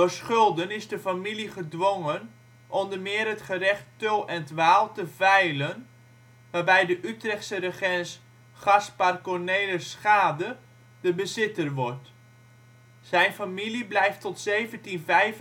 schulden is de familie gedwongen onder meer het gerecht Tull en ' t Waal te veilen waarbij de Utrechtse regent Gaspar Cornelis Schade de bezitter wordt. Zijn familie blijft tot 1795